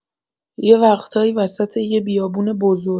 یه وقتایی وسط یه بیابون بزرگ